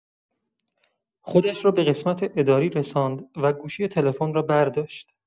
خودش را به قسمت اداری رساند و گوشی تلفن را برداشت.